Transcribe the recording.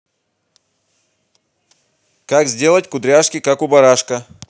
как сделать кудряшки как у барашка